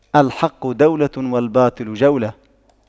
الحق دولة والباطل جولة